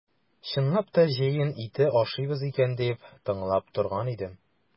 Чынлап та җәен ите ашыйбыз икән дип тыңлап торган идем.